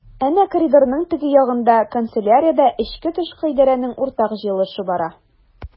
Әнә коридорның теге ягында— канцеляриядә эчке-тышкы идарәнең уртак җыелышы бара.